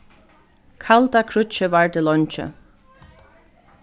kalda kríggið vardi leingi